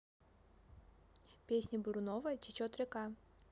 песня бурунова течет река